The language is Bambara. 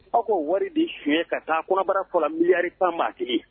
Aw ko wari di su ka taa kurabarara fɔlɔ miri maatigi